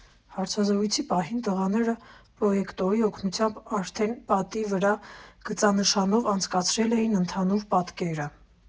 Հարցազրույցի պահին, տղաները պրոյեկտորի օգնությամբ արդեն պատի վրա գծանշանով անցկացրել էին ընդհանուր պատկերը։